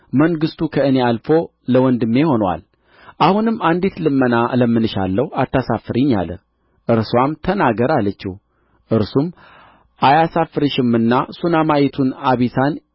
መንግሥቱ ከእኔ አልፎ ለወንድሜ ሆኖአል አሁንም አንዲት ልመና እለምንሻለሁ አታሳፍሪኝ አለ እርስዋም ተናገር አለችው እርሱም አያሳፍርሽምና ሱነማይቱን አቢሳን